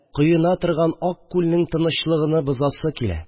Коена торган ак күлнең тынычлыгыны бозасы килә